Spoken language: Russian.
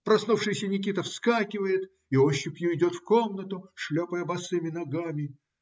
Проснувшийся Никита вскакивает и ощупью идет в комнату, шлепая босыми ногами.